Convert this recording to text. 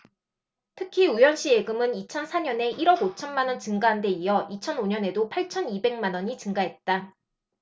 특히 우현씨 예금은 이천 사 년에 일 억 오천 만원 증가한데 이어 이천 오 년에도 팔천 이백 만원이 증가했다